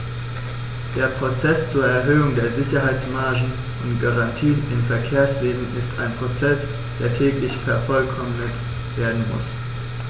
Der Prozess zur Erhöhung der Sicherheitsmargen und -garantien im Verkehrswesen ist ein Prozess, der täglich vervollkommnet werden muss.